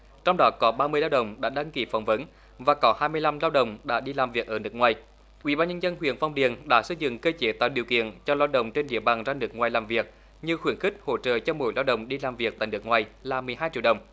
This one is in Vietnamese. trong đó có ba mươi lao động đã đăng ký phỏng vấn và có hai mươi lăm lao động đã đi làm việc ở nước ngoài ủy ban nhân dân huyện phong điền đã xây dựng cơ chế tạo điều kiện cho lao động trên địa bàn ra nước ngoài làm việc như khuyến khích hỗ trợ cho mỗi lao động đi làm việc tại nước ngoài là mười hai triệu đồng